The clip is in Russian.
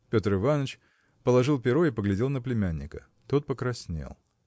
Петр Иваныч положил перо и поглядел на племянника. Тот покраснел.